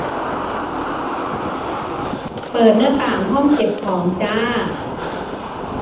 เปิดหน้าต่างห้องเก็บของจ้า